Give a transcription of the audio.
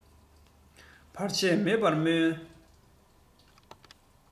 བར ཆད མེད པར སྨོན